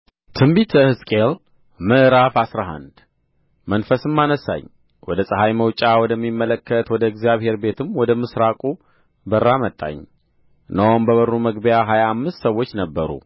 ትንቢተ ሕዝቅኤል ምዕራፍ አስራ አንድ መንፈስም አነሣኝ ወደ ፀሐይ መውጫ ወደሚመለከት ወደ እግዚአብሔር ቤትም ወደ ምሥራቁ በር አመጣኝ እነሆም በበሩ መግቢያ ሀያ አምስት ሰዎች ነበሩ